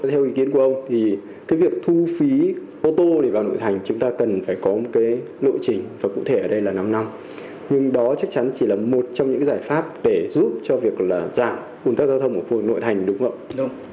vậy theo ý kiến của ông thì cái việc thu phí ô tô để vào nội thành chúng ta cần phải có cái lộ trình và cụ thể ở dây là năm năm nhưng đó chắc chắn chỉ là một trong những giải pháp để giúp cho việc là giảm ùn tắc giao thông ở nội thành đúng không ạ